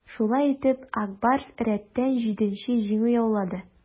Шулай итеп, "Ак Барс" рәттән җиденче җиңү яулады.